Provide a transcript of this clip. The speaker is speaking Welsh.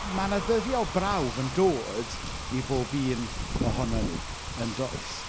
Ma' 'na ddyddiau o brawf yn dod i bob un ohonom ni yn does?